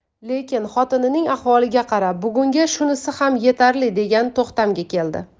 lekin xotinining ahvoliga qarab bugunga shunisi ham yetarli degan to'xtamga keldi